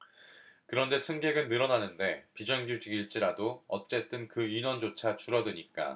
그런데 승객은 늘어나는데 비정규직일지라도 어쨌든 그 인원조차 줄어드니까